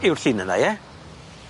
Yw'r llun yna ie?